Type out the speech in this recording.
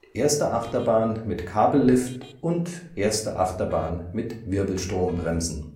erste Achterbahn mit Kabellift erste Achterbahn mit Wirbelstrombremsen